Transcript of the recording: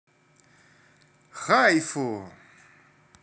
хайфу